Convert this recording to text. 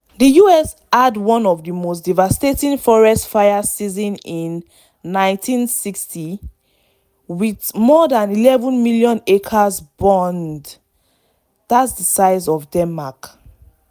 The US had one of the most devastating forest fire seasons since 1960, with more than 11 million acres burned (that’s the size of Denmark).